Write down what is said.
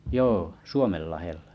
joo Suomenlahdella